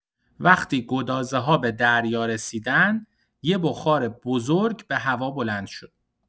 وقتی گدازه‌ها به دریا رسیدن، یه بخار بزرگ به هوا بلند شد.